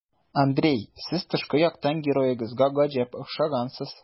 Андрей, сез тышкы яктан героегызга гаҗәп охшагансыз.